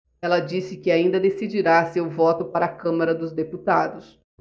ela disse que ainda decidirá seu voto para a câmara dos deputados